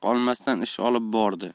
haq olmasdan ish olib bordi